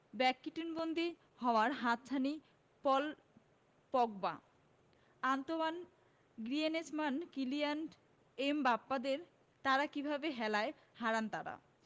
ব্র্যাকেটবন্দি হওয়ার হাতছানি Paul Pogba Antoine Griezmann Kylian এমবাপ্পেদের তা কিভাবে হেলায় হারান তাঁরা